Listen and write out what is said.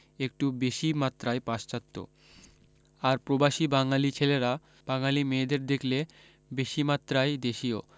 একটু বেশী মাত্রায় পাশ্চাত্য আর প্রবাসী বাঙালী ছেলেরা বাঙালী মেয়েদের দেখলে বেশী মাত্রায় দেশীয়